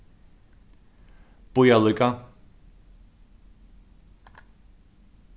bíða líka